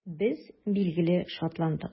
Без, билгеле, шатландык.